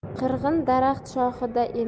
qirg'in daraxt shoxida